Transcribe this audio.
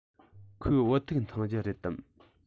ཁོས བོད ཐུག འཐུང རྒྱུ རེད དམ